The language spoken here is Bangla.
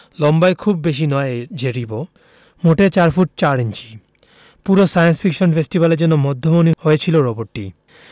লম্বায় খুব বেশি নয় যে রিবো মোটে ৪ ফুট ৪ ইঞ্চি পুরো সায়েন্স ফিকশন ফেস্টিভ্যালে যেন মধ্যমণি হয়েছিল রোবটটি